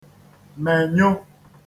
mènyụ